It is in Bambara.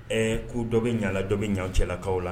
Ɛ ko dɔ bɛ ɲala dɔ bɛ ɲ cɛlalakaw la